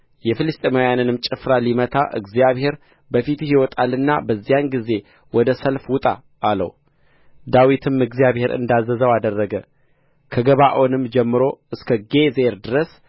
የፍልስጥኤማውያንን ጭፍራ ሊመታ እግዚአብሔር በፊትህ ይወጣልና በዚያን ጊዜ ወደ ሰልፍ ውጣ አለው ዳዊትም እግዚአብሔር እንዳዘዘው አደረገ ከገባዖንም ጀምሮ እስከ ጌዝር ድረስ